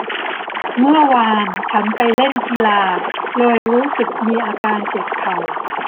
เมื่อวานฉันไปเล่นกีฬาเลยรู้สึกมีอาการเจ็บเข่า